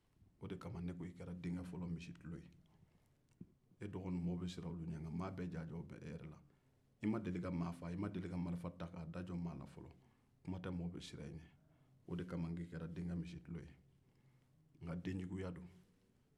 o kama ne ko i kɛra denkɛ fɔlɔ misitulo ye maaw bɛ siran e dɔgɔninw ɲɛ nka maa bɛɛ ja jolen be e yɛrɛ la i ma deli ka maa faa i ma deli ka marifa da jo maa na fɔlɔ kua ma tɛ maaw ka siran i ɲɛ o de kama n ko i kɛra denkɛ misitulo ye nka denjuguya don